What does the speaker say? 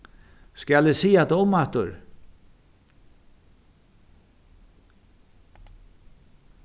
skal eg siga tað umaftur